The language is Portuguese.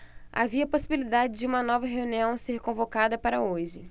havia possibilidade de uma nova reunião ser convocada para hoje